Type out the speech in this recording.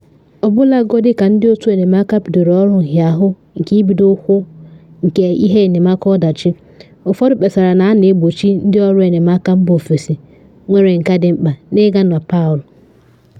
Ọbụlagodi ka ndị otu enyemaka bidoro ọrụ nhịahụ nke ibido ụkwụ nke ihe enyemaka ọdachi, ụfọdụ kpesara na a na egbochi ndị ọrụ enyemaka mba ofesi nwere nka dị mkpa na ịga na Palu.